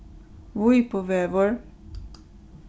vípuvegur